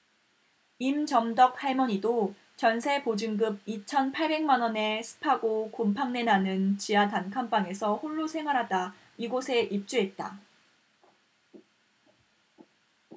임점덕 할머니도 전세 보증금 이천 팔백 만원의 습하고 곰팡내 나는 지하 단칸방에서 홀로 생활하다 이곳에 입주했다